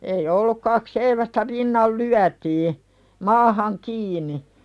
ei ollut kaksi seivästä rinnan lyötiin maahan kiinni